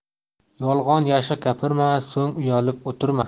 yolg'on yashiq gapirma so'ng uyalib o'tirma